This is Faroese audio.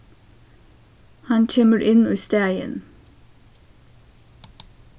hann kemur inn í staðin